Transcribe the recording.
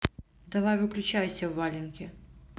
давай выключайся в валенки